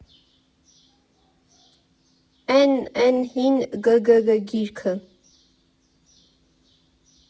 Էն, էն հին գ֊գ֊գիրքը…